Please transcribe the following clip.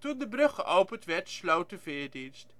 de brug geopend werd, sloot de veerdienst